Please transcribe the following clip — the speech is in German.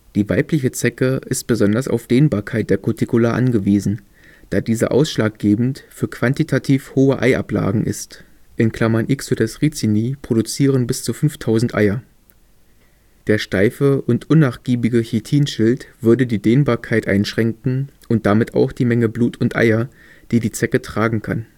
Die weibliche Zecke ist besonders auf Dehnbarkeit der Cuticula angewiesen, da diese ausschlaggebend für quantitativ hohe Eiablagen ist (Ixodes ricini produzieren bis zu 5.000 Eier). Der steife und unnachgiebige Chitinschild würde die Dehnbarkeit einschränken und damit auch die Menge Blut und Eier, die die Zecke tragen kann